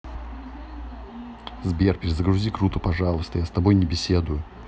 сбер перезагрузи круто пожалуйста я с тобой не беседую